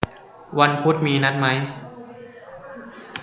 วันพุธมีนัดมั้ย